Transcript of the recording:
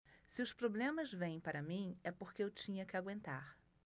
se os problemas vêm para mim é porque eu tinha que aguentar